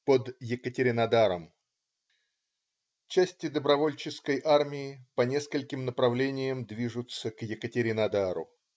Под Екатеринодаром Части Добровольческой армии по нескольким направлениям движутся к Екатеринодару.